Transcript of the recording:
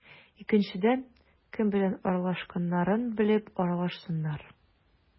Икенчедән, кем белән аралашканнарын белеп аралашсыннар.